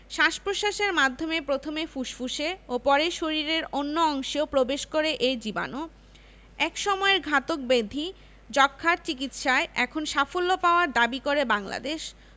শ্বাস প্রশ্বাসের মাধ্যমে প্রথমে ফুসফুসে ও পরে শরীরের অন্য অংশেও প্রবেশ করে এ জীবাণু একসময়ের ঘাতক ব্যাধি যক্ষ্মার চিকিৎসায় এখন সাফল্য পাওয়ার দাবি করে বাংলাদেশ